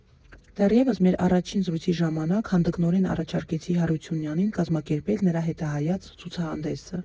Դեռևս մեր առաջին զրույցի ժամանակ հանդգնորեն առաջարկեցի Հարությունյանին կազմակերպել նրա հետահայաց ցուցահանդեսը։